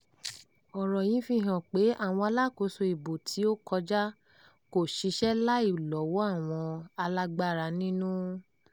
Ọ̀ràn yìí fi hàn pé àwọn alákòóso ìbò tí ó kọjá kò ṣiṣẹ́ láì lọ́wọ́ àwọn alágbára ń'nú.